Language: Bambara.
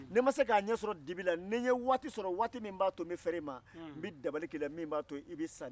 ni n ma se k'a ɲɛsɔrɔ dibi la ni n ye waati sɔrɔ waati min b'a to n bɛ fɛrɛ i ma n bɛ dabali kɛ i la min b'a to i be sa